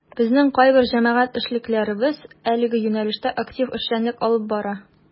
Безнең кайбер җәмәгать эшлеклеләребез әлеге юнәлештә актив эшчәнлек алып бара.